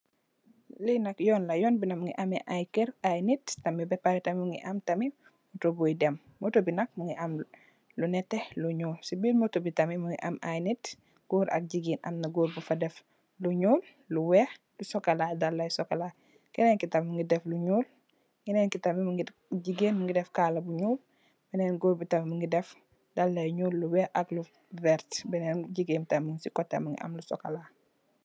Li nak yoon la, yoon bi tamit mungi am ay keur, ay nit tamit ba pare mungi motor büy dem. Motor bi nak mungi am lu neteh, lu ñuul. Ci biir motor bi tamit mungi am ay nit goor ak jigéen, amna goor bufa def lu ñuul, lu weex, lu sokola, dalla yi sokola. Kenenki tamit mungi def lu ñuul, jigeen mungi def kala bu ñuul, benen goor mungi def dalla yu ñuul, lu weex ak lu vert, benen jigeen mung ci kotem mu am lu sokola .